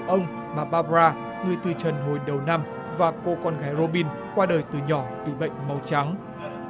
ông bà boa bờ ra người từ trần hồi đầu năm và cô con gái rô bin qua đời từ nhỏ bị bệnh máu trắng